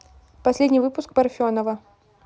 последний выпуск парфенова